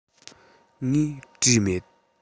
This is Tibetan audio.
ངས བྲིས མེད